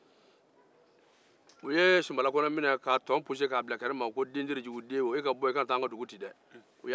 u ye simbala kɔnɛ tɔn puse k'a bila kɛnɛ ma e ka taa an ka dugu tɛ ci dɛ